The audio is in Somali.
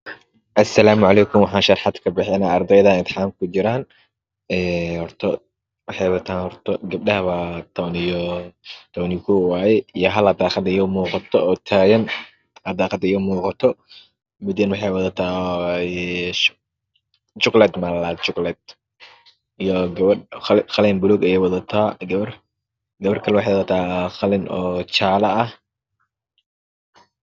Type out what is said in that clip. Asalaaymu calaykum waxaa sharaxaad ka bixinaa ardaydaan exsaamka ku jiraan horta waxaay wataan horta gabdhaha eaa towan koow waaye iyo hal aa daaqada iiga muuqato oo taagan aa daaqad iiga muuqato midaba waxay wadataa chocolate maa la dhaa chocolate iyo gabar qalin buluug ayey wadataa gabar kale waxay wadataa qalin jaaloa ah